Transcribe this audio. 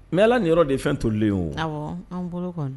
Mais Ala niyɔrɔ de ye fɛn tolilen wo, awɔ an bolo kɔni